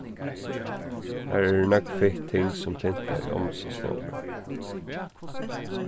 har eru nógv fitt ting sum pynta í ommusa stovu